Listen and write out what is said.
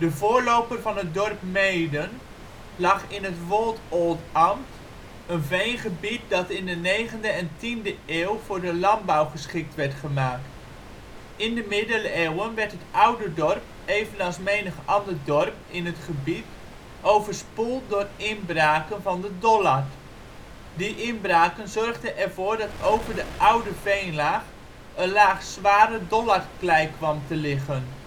voorloper van het dorp Meeden lag in het Woldoldambt, een veengebied dat in de negende en tiende eeuw voor de landbouw geschikt werd gemaakt. In de middeleeuwen werd het ' oude ' dorp evenals menig ander dorp in het gebied overspoeld door inbraken van de Dollard. Die inbraken zorgden er voor dat over de oude veenlaag een laag zware Dollardklei kwam te liggen